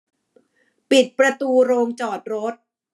ปิดประตูโรงจอดรถ